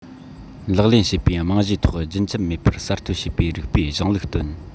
ལག ལེན བྱས པའི རྨང གཞིའི ཐོག རྒྱུན ཆད མེད པར གསར གཏོད བྱས པའི རིགས པའི གཞུང ལུགས བཏོན